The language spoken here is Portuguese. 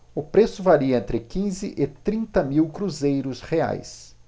o preço varia entre quinze e trinta mil cruzeiros reais